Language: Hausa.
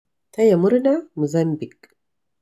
Taya murna, Mozambiƙue